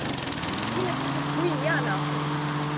афина что за хуйня нахуй